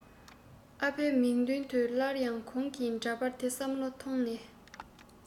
ཨ ཕའི མིག མདུན དུ སླར ཡང གོང གི འདྲ པར དེ བསམ བློ ཐོངས ནས